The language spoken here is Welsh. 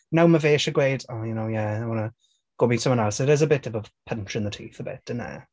Nawr mae fe eisiau gweud, "oh, you know, yeah, I'm want to go meet someone else." It is a bit of a punch in the teeth a bit, innit?